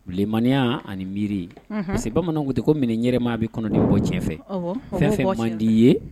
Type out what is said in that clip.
Tilemaniya ani miiri se bamananw tɛ ko mini yɛrɛma a bɛ kɔnɔ bɔ cɛnfɛ fɛn o fɛn kuma d' ye